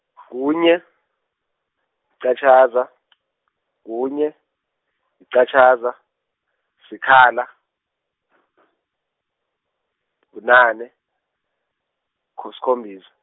kunye, -qatjhaza , kunye, yiqatjhaza, sikhala , bunane, kho- sikhombisa.